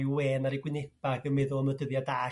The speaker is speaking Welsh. ryw wên ar 'u gwyneba' ag yn meddwl am y dyddia' da